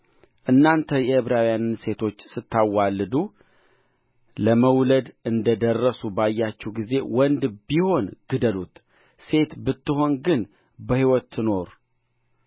እናንተ የዕብራውያንን ሴቶች ስታዋልዱ ለመውለድ እንደደረሱ ባያችሁ ጊዜ ወንድ ቢሆን ግደሉት ሴት ብትሆን ግን በሕይወት ትኑር